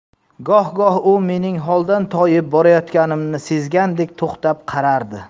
goh goh u mening holdan toyib borayotganimni sezgandek to'xtab qarardi